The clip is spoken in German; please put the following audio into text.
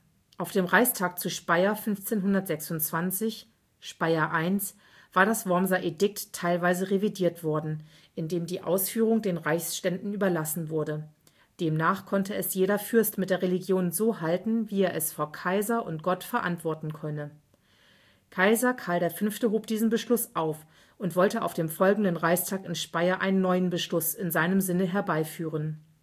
Auf dem Reichstag zu Speyer 1526 (Speyer I) war das Wormser Edikt teilweise revidiert worden, indem die Ausführung den Reichsständen überlassen wurde. Demnach konnte es jeder Fürst mit der Religion so halten, wie er es vor Kaiser und Gott verantworten könne. Kaiser Karl V. hob diesen Beschluss auf und wollte auf dem folgenden Reichstag in Speyer einen neuen Beschluss in seinem Sinne herbeiführen